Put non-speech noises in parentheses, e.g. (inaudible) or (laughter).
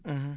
(hesitation) (hesitation)